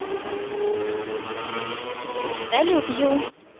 салют ю